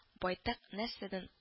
Байтак нәрсәдән